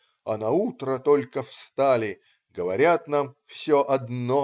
А наутро только встали Говорят нам все одно.